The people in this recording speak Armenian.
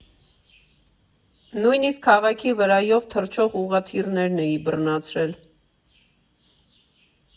Նույնիսկ քաղաքի վրայով թռչող ուղղաթիռներն էի բռնացրել։